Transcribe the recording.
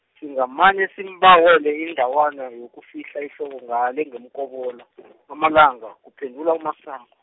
singamane simbawele indawana yokufihla ihloko ngale ngeMkobola , amalanga kuphendula uMasango.